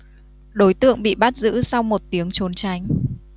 đối tượng bị bắt giữ sau một tiếng trốn tránh